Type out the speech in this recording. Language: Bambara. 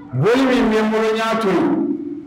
Bonya min bɛ bolo ɲɛ tun